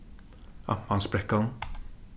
amtmansbrekkan